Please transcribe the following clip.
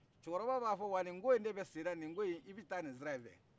cɛkɔrɔba b'a fɔ wa nin ko in de bɛ sen na nin ko in i bɛ taa nin sira in fɛ